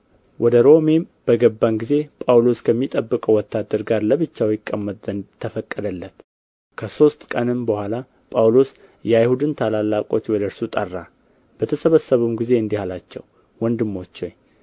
ወደ ሮሜም በገባን ጊዜ ጳውሎስ ከሚጠብቀው ወታደር ጋር ለብቻው ይቀመጥ ዘንድ ተፈቀደለት ከሦስት ቀንም በኋላ ጳውሎስ የአይሁድን ታላላቆች ወደ እርሱ ጠራ በተሰበሰቡም ጊዜ እንዲህ አላቸው ወንድሞች ሆይ